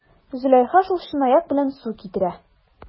Зөләйха шул чынаяк белән су китерә.